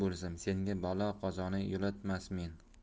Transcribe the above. bo'lsam senga balo qazoni yo'latmasmen